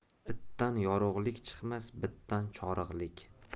itdan yorug'lik chiqmas bitdan chorig'lik